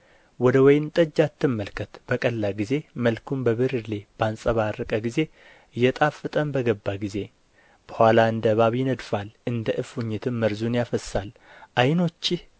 ወደ ወይን ጠጅ አትመልከት በቀላ ጊዜ መልኩም በብርሌ ባንጸባረቀ ጊዜ እየጣፈጠም በገባ ጊዜ በኋላ እንደ እባብ ይነድፋል እንደ እፉኝትም መርዙን ያፈስሳል ዓይኖችህ